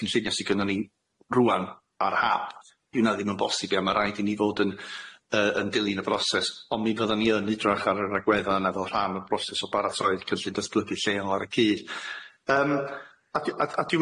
cynllunio sy gynnon ni rŵan ar hap dyw na ddim yn bosib ia ma' raid i ni fod yn yy yn dilyn y broses on' mi fyddwn ni yn idrach ar yr agwedda' yna fel rhan o'r broses o baratoi'r cynllun datblygu lleol ar y cyd yym a d- a d- a dwi'n